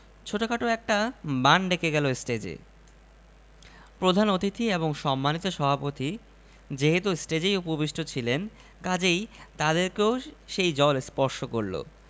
বাসের সমস্ত যাত্রী খুব সন্দেহজনক দৃষ্টিতে তাকাতে লাগলো আমার দিকে যার পাশে বসলাম সে অনেকখানি সরে বসা